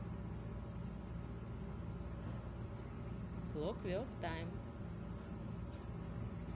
clockwork time